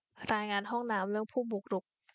รายงานห้องน้ำเรื่องผู้บุกรุก